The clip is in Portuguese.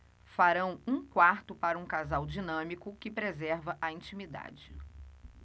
farão um quarto para um casal dinâmico que preserva a intimidade